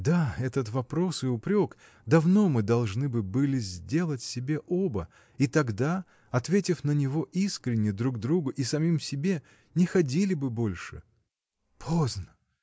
Да, этот вопрос и упрек давно мы должны бы были сделать себе оба и тогда, ответив на него искренно друг другу и самим себе, не ходили бы больше! Поздно!.